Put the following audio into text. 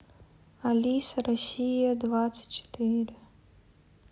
алиса россия двадцать четыре